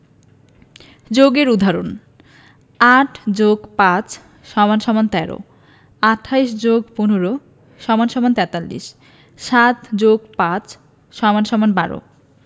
যোগের উদাহরণঃ ৮ + ৫ = ১৩ ২৮ + ১৫ = ৪৩ ৭+৫ = ১২